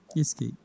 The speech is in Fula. eskey